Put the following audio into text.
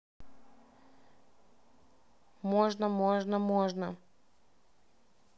можно можно можно